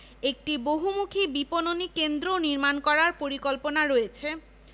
বাংলাপিডিয়া থেকে সংগৃহীত লিখেছেনঃ এ.কে.এম মাযহারুল ইসলাম শেষ পরিবর্তনের সময় ১৬ মার্চ ২০১৫ ১২টা ২২ মিনিট